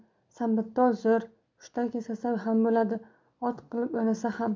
sambittol zo'r hushtak yasasa ham bo'ladi ot qilib o'ynasa ham